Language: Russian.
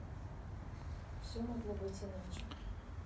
все могло быть иначе